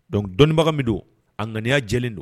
Donc dɔnniibaga min don a ŋaniya jɛlen don